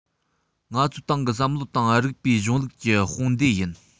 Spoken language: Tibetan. ང ཚོའི ཏང གི བསམ བློ དང རིགས པའི གཞུང ལུགས ཀྱི དཔུང སྡེ ཡིན